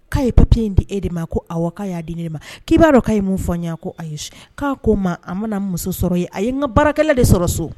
K'a ye papi in di e de ma ko aw k' y'a di ne de ma k'i'a dɔn k' ye mun fɔ n ye ko ayi ye k'a ko ma a mana muso sɔrɔ yen a ye n ka baarakɛ de sɔrɔ so